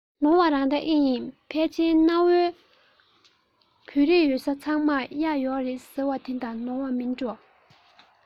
ནོར བ རང ད ཨེ ཡིན ཕལ ཆེར གནའ བོའི བོད རིགས ཡོད ས ཚང མར གཡག ཡོད རེད ཟེར བ དེ དང ནོར བ མིན འགྲོ